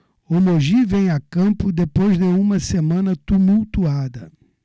o mogi vem a campo depois de uma semana tumultuada